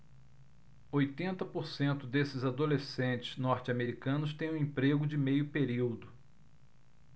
oitenta por cento desses adolescentes norte-americanos têm um emprego de meio período